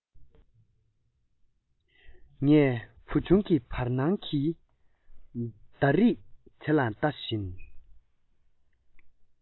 ངས བུ ཆུང གིས བར སྣང གི ཟླ རིས དེ ལ ལྟ བཞིན